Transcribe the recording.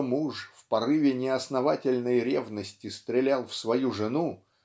что муж в порыве неосновательной ревности стрелял в свою жену